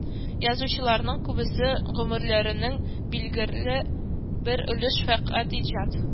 Язучыларның күбесе гомерләренең билгеле бер өлешен фәкать иҗат